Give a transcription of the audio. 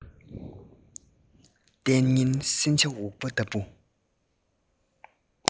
ལྟས ངན སྲིན བྱ འུག པ ལྟ བུ